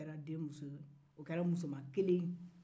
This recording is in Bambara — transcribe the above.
o kɛra muso o kɛra musoman kelen ye